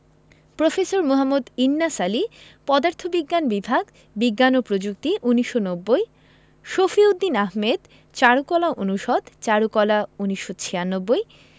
professor মোঃ ইন্নাস আলী পদার্থবিজ্ঞান বিভাগ বিজ্ঞান ও প্রযুক্তি ১৯৯০ শফিউদ্দীন আহমেদ চারুকলা অনুষদ চারুকলা ১৯৯৬